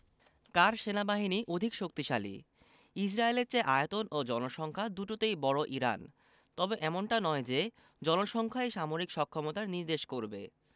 কার সেনাবাহিনী অধিক শক্তিশালী ইসরায়েলের চেয়ে আয়তন ও জনসংখ্যা দুটোতেই বড় ইরান তবে এমনটা নয় যে জনসংখ্যাই সামরিক সক্ষমতা নির্দেশ করবে